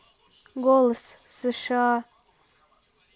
голос сша